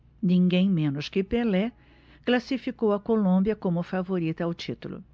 ninguém menos que pelé classificou a colômbia como favorita ao título